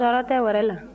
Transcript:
tɔɔrɔ tɛ wɛrɛ la